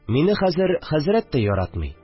Мине хәзер хәзрәт тә яратмый